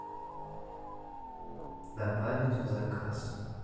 добавить в заказ